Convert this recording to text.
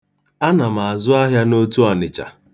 Ana m azụ ahịa n'Otu Ọnịcha.